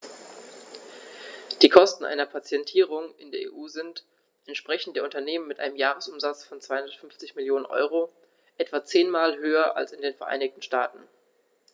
Die Kosten einer Patentierung in der EU sind, entsprechend der Unternehmen mit einem Jahresumsatz von 250 Mio. EUR, etwa zehnmal höher als in den Vereinigten Staaten.